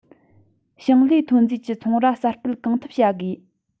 ཞིང ལས ཐོན རྫས ཀྱི ཚོང ར གསར སྤེལ གང ཐུབ བྱ དགོས